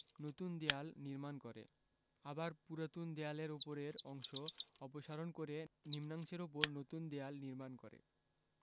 নতুন দেয়াল নির্মাণ করে আবার পুরাতন দেয়ালের উপরের অংশ অপসারণ করে নিম্নাংশের উপর নতুন দেয়াল নির্মাণ করে